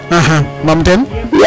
axa mam teen?